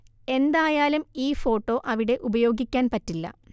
എന്തായാലും ഈ ഫോട്ടോ അവിടെ ഉപയോഗിക്കാൻ പറ്റില്ല